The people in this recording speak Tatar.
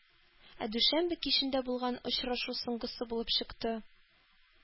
Ә дүшәмбе кичендә булган очрашу соңгысы булып чыкты.